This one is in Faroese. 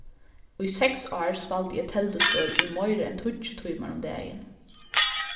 í seks ár spældi eg telduspøl í meira enn tíggju tímar um dagin